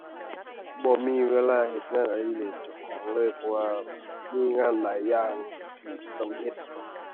บ่มีเวลาเฮ็ดงานอดิเรกเจ้าของเลย เพราะว่ามีงานหลายอย่างที่ต้องเฮ็ด